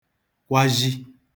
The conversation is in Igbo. kwazhi